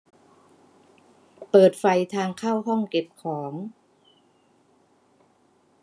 เปิดไฟทางเข้าห้องเก็บของ